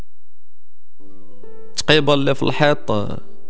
طيب اللي في الحائط